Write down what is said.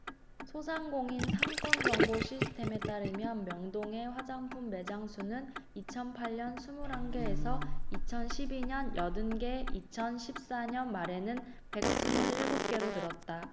소상공인 상권정보시스템에 따르면 명동의 화장품 매장 수는 이천 팔 년 스물 한 개에서 이천 십 이 년 여든 개 이천 십 사 년 말에는 백 스물 일곱 개로 늘었다